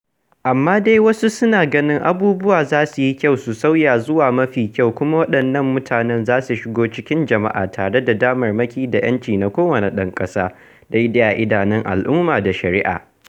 Amma dai wasu suna ganin abubuwan za su yi kyau su sauya zuwa mafi kyau kuma waɗannan mutanen za su shigo cikin jama'a tare da damarmaki da 'yanci na kowane ɗan ƙasa, daidai a idanun al'umma da shari'a.